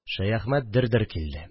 Шәяхмәт дер-дер килде